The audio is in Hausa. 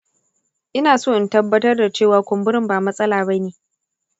inaso in tabbatar da cewa kumburin ba matsala ba ne.